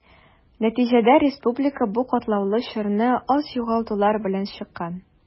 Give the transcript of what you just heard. Нәтиҗәдә республика бу катлаулы чорны аз югалтулар белән чыккан.